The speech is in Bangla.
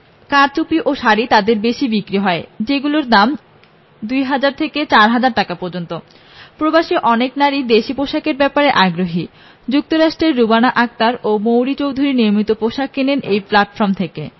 কারচুপি ও শাড়ি তাঁদের বেশি বিক্রি হয় যেগুলোর দাম ২ হাজার ২০০ থেকে ৪ হাজার টাকা পর্যন্ত প্রবাসী অনেক নারীই দেশি পোশাকের ব্যাপারে আগ্রহী যুক্তরাষ্ট্রের রুবানা আক্তার ও মৌরি চৌধুরী নিয়মিত পোশাক কেনেন এই প্ল্যাটফর্ম থেকে